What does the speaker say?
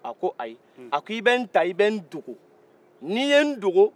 a ko ayi a k'i bɛ n ta i bɛ n dogo n'i ye n dogo